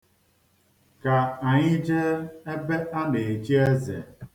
Ka anyị jee ebe a na-echi eze